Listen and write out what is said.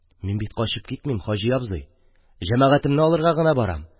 – мин бит качып китмим, хаҗи абзый, җәмәгатемне алырга гына барам.